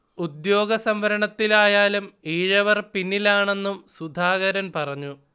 ഉദ്യോഗ സംവരണത്തിലായാലും ഈഴവർ പിന്നിലാണെന്നും സുധാകരൻ പറഞ്ഞു